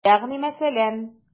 Ягъни мәсәлән?